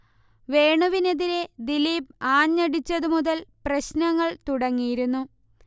വേണുവിനെതിരെ ദിലീപ് ആഞ്ഞടിച്ചതു മുതൽ പ്രശ്നങ്ങൾ തുടങ്ങിയിരുന്നു